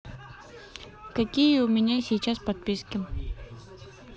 какие у меня сейчас подписки